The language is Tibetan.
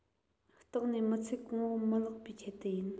བརྟག ནས མི ཚེ གང བོ མི བརླག པའི ཆེད དུ ཡིན